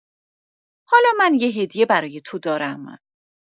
حالا من یه هدیه برای تو دارم.